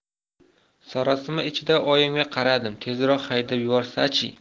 sarosima ichida oyimga qaradim tezroq haydab yuborsa chi